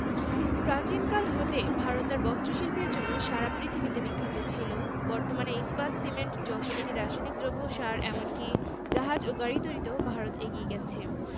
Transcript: এশিয়ার বহুদেশের সঙ্গেই বাংলাদেশের রয়েছে চমৎকার বন্ধুত্বপূর্ণ সম্পর্ক শিক্ষা সাহিত্য সংস্কৃতি বানিজ্য শিল্প প্রযুক্তিসহ বিভিন্ন ক্ষেত্রে তাদের সঙ্গে আমাদের সহযোগিতার সম্পর্ক আছে